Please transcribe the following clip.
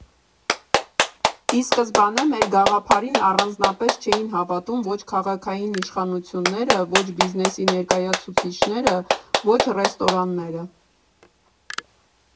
Ի սկզբանե մեր գաղափարին առանձնապես չէին հավատում ոչ քաղաքային իշխանությունները, ոչ բիզնեսի ներկայացուցիչները, ոչ ռեստորանները։